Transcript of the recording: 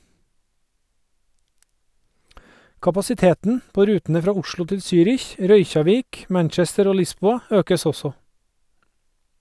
Kapasiteten på rutene fra Oslo til Zürich, Reykjavik, Manchester og Lisboa økes også.